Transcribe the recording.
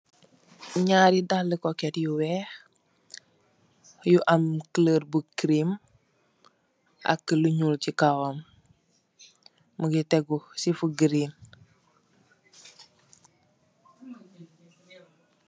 Nyarri daali koket yu weih yu am kulorr bu cream ak lu nyuul sey kawam Mungi tegu sey fu green.